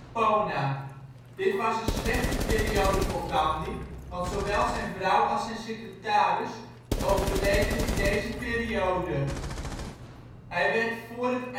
Poona. Dit was een slechte periode voor Gandhi, want zowel zijn vrouw als zijn secretaris overleden in deze periode. Hij werd voor het